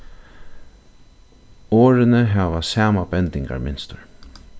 orðini hava sama bendingarmynstur